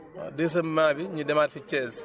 waa deuxièmement bi ñu demaat fi Thiès